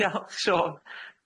Diolch Siôn.